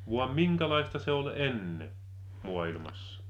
vaan minkälaista se oli ennen maailmassa